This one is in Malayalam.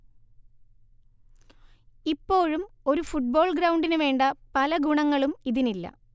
ഇപ്പോഴും ഒരു ഫുട്ബോൾ ഗ്രൗണ്ടിനുവേണ്ട പല ഗുണങ്ങളും ഇതിനില്ല